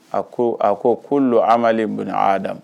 A ko a ko ko don an maale bonyada